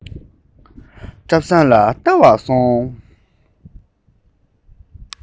བཀྲ བཟང ལ བལྟ བར སོང